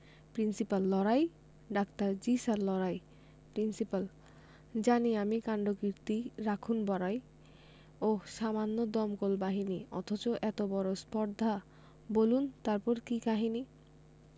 principal লড়াই doctor জ্বী sir লড়াই প্রিন্সিপাল জানি আমি কাণ্ডকীর্তি রাখুন বড়াই ওহ্ সামান্য দমকল বাহিনী অথচ এত বড় স্পর্ধা বলুন তারপর কি কাহিনী